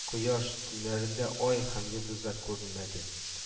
— кояш, төннәрендә ай һәм йолдызлар күренмәде